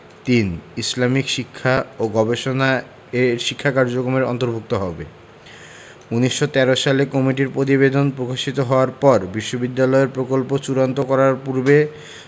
৩. ইসলামী শিক্ষা ও গবেষণা এর শিক্ষা কার্যক্রমের অন্তর্ভুক্ত হবে ১৯১৩ সালে কমিটির প্রতিবেদন প্রকাশিত হওয়ার পর বিশ্ববিদ্যালয়ের প্রকল্প চূড়ান্ত করার পূর্বে